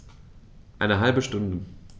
Eine halbe Stunde